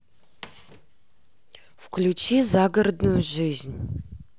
включи загородную жизнь